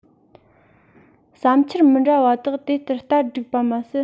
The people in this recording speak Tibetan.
བསམ འཆར མི འདྲ བ དག དེ ལྟར སྟར བསྒྲིགས པ ན